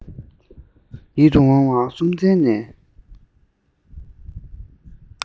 ཡིད དུ འོང བ སུམ རྩེན གནས